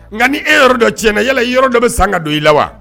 Nka ni e yɔrɔ dɔ tiɲɛna yala i yɔrɔ dɔ bɛ san ka don i la wa